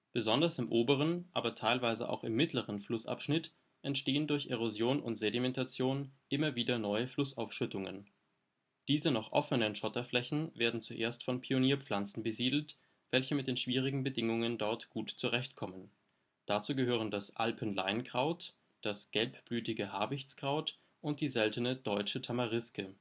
Besonders im oberen, aber teilweise auch im mittleren Flussabschnitt entstehen durch Erosion und Sedimentation immer wieder neue Flussaufschüttungen. Diese noch offenen Schotterflächen werden zuerst von Pionierpflanzen besiedelt, welche mit den schwierigen Bedingungen dort gut zurechtkommen; dazu gehören das Alpen-Leinkraut, das gelbblütige Habichtskraut und die seltene Deutsche Tamariske